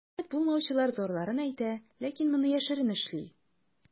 Канәгать булмаучылар зарларын әйтә, ләкин моны яшерен эшли.